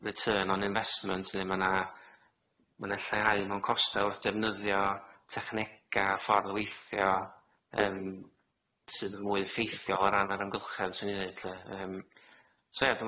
return on investment ne' ma' na ma' na lleiau mewn costa wrth defnyddio technega ffordd weithio yym sydd yn mwy effeithio o ran yr ymgylchedd swn i'n neud lly yym.